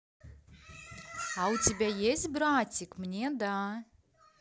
а у тебя есть братик мне да